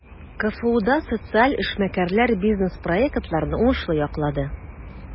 КФУда социаль эшмәкәрләр бизнес-проектларны уңышлы яклады.